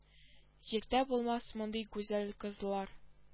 Җирдә булмас мондый гүзәл кызлар